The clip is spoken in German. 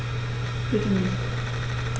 Bitte nicht.